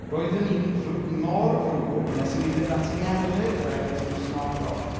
Roeddwn i'n f- mor frwd nes i fynd ati i erlid yr Eglwys Gristnogol.